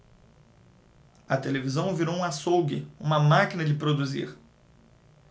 a televisão virou um açougue uma máquina de produzir